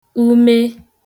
ume